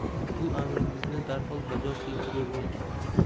bu amringizni darhol bajo keltirurmen